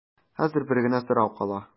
Хәзер бер генә сорау кала.